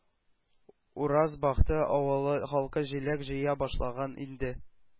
“уразбахты авылы халкы җиләк җыя башлаган инде”